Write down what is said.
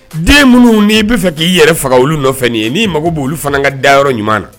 Den minnu n'i bɛ' fɛ k'i yɛrɛ faga olu nɔfɛ ye ni'i mago b' olu fana ka dayɔrɔ ɲuman na